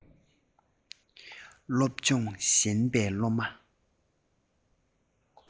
སློབ སྦྱོང ཞན པའི སློབ མ